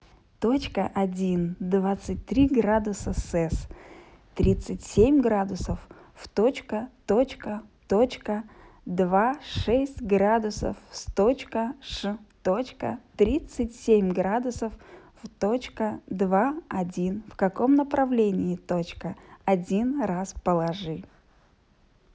точка один двадцать три градуса сэс тридцать семь градусов в точка точка точка два все шесть градусов сточка ш точка тридцать семь градусов в точка два точка в каком направлении точка один раз положи